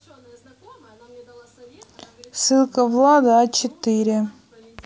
ссылка влада а четыре